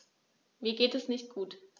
Mir geht es nicht gut.